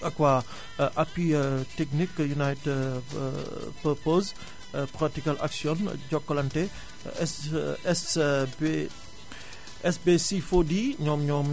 ak waa appui Technique United purpose Pratical action Jokalante SSB SBC4D ñoom ñoo